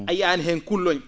a yiyaani heen kulloñ